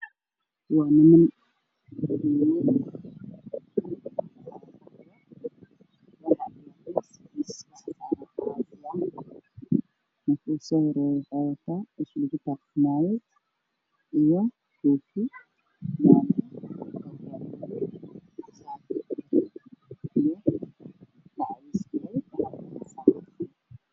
Waa howl shir lagu gadaayo waxaa joogo niman odayaal waxay wataan shaatiyaal cad aan koof iyo macoyasiyo caddaan ayaa horyaal